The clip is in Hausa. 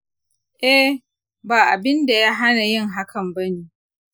eh, ba abin da ya hana yin hakan ba ne.